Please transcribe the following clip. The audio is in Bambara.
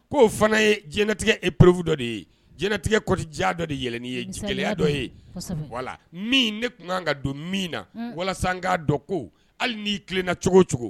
Ko oo fana ye jinɛtigɛ e porofu dɔ de ye jɛnɛtigɛ kɔrɔdi diya dɔ de yɛlɛɛlɛn ye gɛlɛyaya dɔ ye wala min ne tun kan ka don min na walasa k'a dɔn ko hali n'i tilenna cogo cogo